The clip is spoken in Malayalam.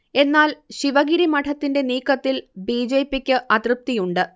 എന്നാൽ ശിവഗിരി മഠത്തിന്റെ നീക്കത്തിൽ ബിജെപിക്ക് അതൃപ്തിയുണ്ട്